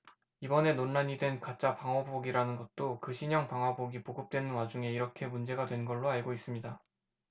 이번에 논란이 된 가짜 방화복이라는 것도 그 신형 방화복이 보급되는 와중에 이렇게 문제가 된 걸로 알고 있습니다